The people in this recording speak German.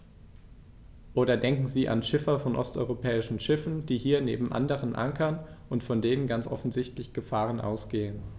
Oder denken Sie an Schiffer von osteuropäischen Schiffen, die hier neben anderen ankern und von denen ganz offensichtlich Gefahren ausgehen.